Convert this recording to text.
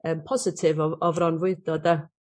yym positif o f- o fronfwydo 'de?